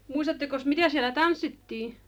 muistattekos mitä siellä tanssittiin